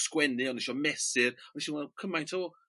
sgwennu o' nw isio mesur. Nesh i weld cymaint o...